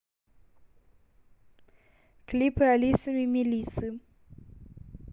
клипы алисы мимилисы